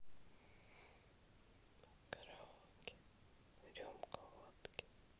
караоке рюмка водки